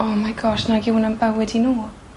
oh my gosh nag yw wnna'n bywyd i n'w.